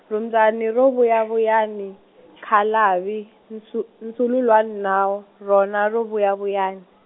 rhumbyani ro vuyavuyani , khalavi nsu-, nsululwani na o, rona ro vuyavuyani .